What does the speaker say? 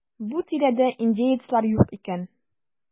Бу тирәдә индеецлар юк икән.